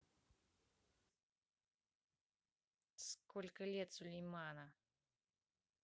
сколько лет сулеймана